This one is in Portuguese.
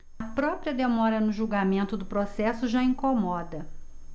a própria demora no julgamento do processo já incomoda